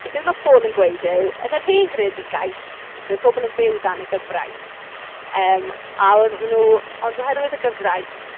Felly be ma' Paul yn gweud yw yn yr hen greadigaeth roedd pobl yn byw dan y gyfraith yym a oedd nhw... ond oherwydd y gyfraith...